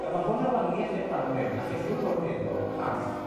A ma' hwn yn wanieth i'r Gwanwyn, a chi siŵr o fod yn meddwl pam?